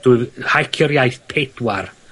...dwy fi-... Hacio'r iaith pedwar.